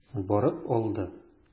Барып алды.